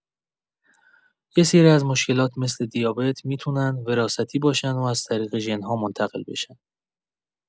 یه سری از مشکلات مثل دیابت می‌تونن وراثتی باشن و از طریق ژن‌ها منتقل بشن.